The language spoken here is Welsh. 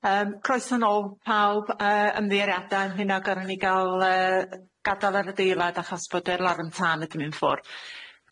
Yym croeso nôl pawb yy ymddiheuriada yym hunna ni goro ni ga'l yy gadal yr adeilad achos bod yr larwm tân di myn' ffwr.